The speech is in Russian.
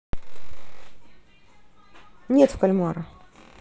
нет в кальмара